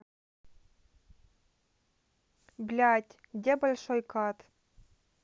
блядь где большой cut